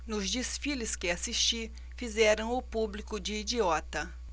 nos desfiles que assisti fizeram o público de idiota